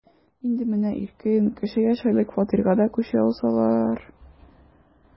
Инде менә иркен, кеше яшәрлек фатирга да күчә алсалар...